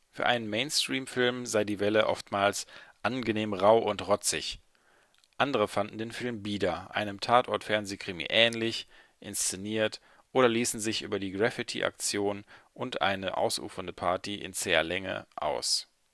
Für einen Mainstream-Film sei Die Welle oftmals „ angenehm rau und rotzig. “Andere fanden den Film bieder, einem Tatort-Fernsehkrimi ähnlich, inszeniert, oder ließen sich über die „ Graffiti-Aktion und eine ausufernde Party in zäher Länge “aus